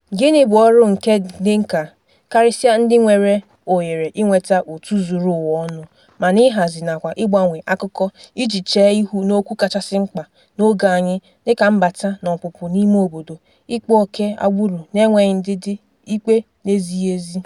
OM: Gịnị bụ ọrụ nke ndị nkà, karịsịa ndị nwere ohere inweta òtù zuru ụwa ọnụ ma n'ịhazi nakwa ịgbanwe akụkọ iji chee ihu n'okwu kachasị mkpa n'oge anyị, dị ka mbata na ọpụpụ n'ime obodo ịkpa ókè agbụrụ na enweghị ndidi / ikpe n'ezighị ezi?